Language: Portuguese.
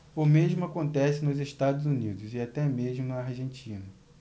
o mesmo acontece nos estados unidos e até mesmo na argentina